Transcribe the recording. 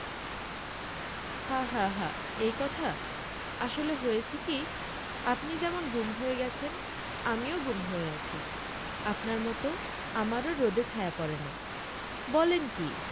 হা হা হা এই কথা আসলে হয়েছে কি আপনি যেমন গুম হয়ে গেছেন আমিও গুম হয়ে আছি আপনার মতো আমারও রোদে ছায়া পড়ে না বলেন কী